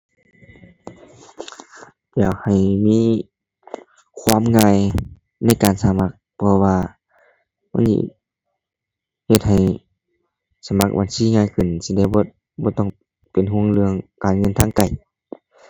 อยากให้มีความง่ายในการสมัคร เพราะว่ามันสิเฮ็ดให้สมัครบัญชีง่ายขึ้น สิได้บ่ บ่ต้องเป็นห่วงเรื่องการเดินทางไกล